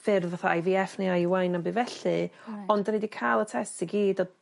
ffyrdd fatha Eye Vee Eff neu Eye You Eye na'm by' felly. Reit. Ond 'dyn ni 'di ca'l y tests i gyd a